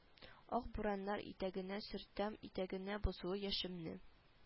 Ак бураннар итәгенә сөртәм итәгенә бозлы яшемне